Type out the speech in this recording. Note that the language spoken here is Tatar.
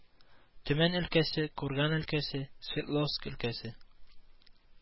Төмән өлкәсе, Курган өлкәсе, Свердловск өлкәсе